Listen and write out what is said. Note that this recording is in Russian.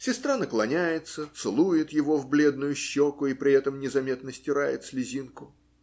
Сестра наклоняется, целует его в бледную щеку и при этом незаметно стирает слезинку.